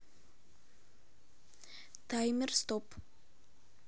таймер стоп